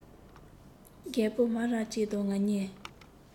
རྒད པོ སྨ ར ཅན དང ང གཉིས